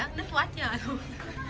con nít quá trời luôn